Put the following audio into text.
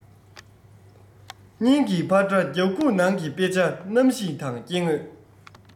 སྙིང གི འཕར སྒྲ རྒྱབ ཁུག ནང གི དཔེ ཆ གནམ གཤིས དང སྐྱེ དངོས